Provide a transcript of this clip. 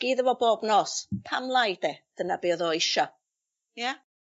iddo fo bob nos. Pam lai 'de? Dyna be' o'dd o eisio. Ia?